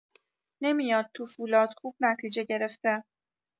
نمیاد تو فولاد خوب نتیجه گرفته